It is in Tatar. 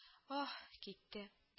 - ах?., китте